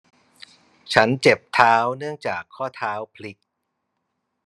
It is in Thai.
ฉันเจ็บเท้าเนื่องจากข้อเท้าผลิก